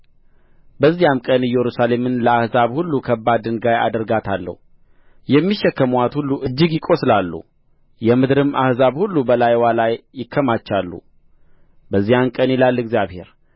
በዚያም ቀን ኢየሩሳሌምን ለአሕዛብ ሁሉ ከባድ ድንጋይ አደርጋታለሁ የሚሸከሙአት ሁሉ እጅግ ይቈስላሉ የምድርም አሕዛብ ሁሉ በላይዋ ላይ ይከማቻሉ በዚያ ቀን ይላል እግዚአብሔር